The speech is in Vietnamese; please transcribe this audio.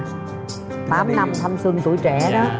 tám năm thanh xuân tuổi trẻ đó